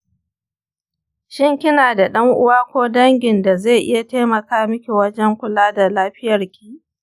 shin kina da ɗan uwa ko dangin da zai iya taimaka miki wajen kula da lafiyarki?